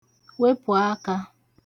wepụ̀ akā